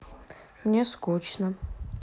мне скучно